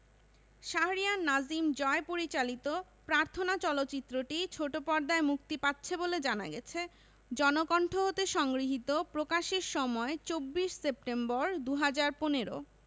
শাহরিয়ার নাজিম জয় পরিচালিত প্রার্থনা চলচ্চিত্রটি ছোট পর্দায় মুক্তি পাচ্ছে বলে জানা গেছে জনকণ্ঠ হতে সংগৃহীত প্রকাশের সময় ২৪ সেপ্টেম্বর ২০১৫